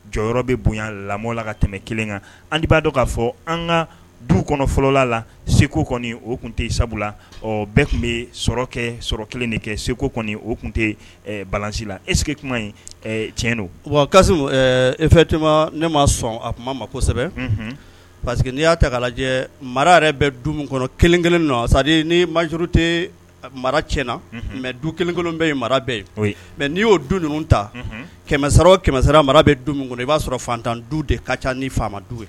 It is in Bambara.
Jɔ bɛ bonya lamɔla la ka tɛmɛ kelen kan an b'a dɔn k'a fɔ an ka du kɔnɔ fɔlɔla la segu kɔni o tun tɛ sabula bɛɛ tun bɛ sɔrɔ kɛ sɔrɔ kelen de kɛ segu kɔni o tun tɛ ba la ese kuma in tiɲɛ don wa e te ne' sɔn a kuma ma kosɛbɛ parce que n'i y'a ta' lajɛ mara yɛrɛ bɛ duumu kɔnɔ kelen kelen nɔ sadi ni maj tɛ mara ti na mɛ du kelen kelen bɛ ye mara bɛɛ ye mɛ n'i y'o du ninnu ta kɛmɛsɔrɔ o kɛmɛsɛ mara bɛ du min kɔnɔ i b'a sɔrɔ fatan du de ka ca ni faama du ye